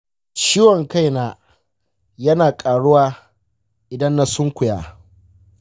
ciwon kai na yana ƙaruwa idan na sunkuya.